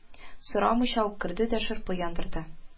Сорамыйча ук керде дә шырпы яндырды